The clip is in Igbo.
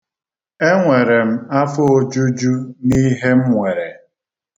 E nwere m afoojuju n'ihe m nwere.